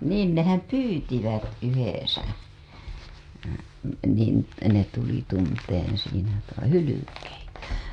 niin ne pyysivät yhdessä niin ne tuli tuntemaan siinä toisensa hylkeitä